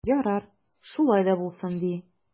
Ярар, шулай да булсын ди.